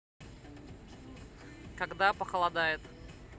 когда похолодает